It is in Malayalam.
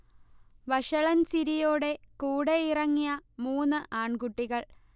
വഷളൻ ചിരിയോടെ കൂടെ ഇറങ്ങിയ മൂന്നു ആൺകുട്ടികൾ